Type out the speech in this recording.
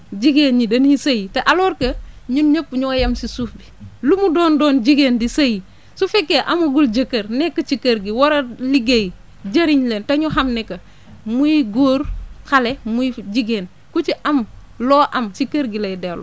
jigéen ñi dañuy sëyi te alors que ñun ñëpp ñoo yem si suuf bi lu mu doon doon jigéen di sëyi su fekkee amagul jëkkër nekk ci kër gi war a liggéey jëriñ leen te ñu xam ne que muy góor xale muy jigéen ku ci am loo am ci kër gi lay dellu